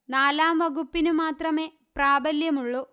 നാലാം വകുപ്പിനു മാത്രമേ പ്രാബല്യമുള്ളൂ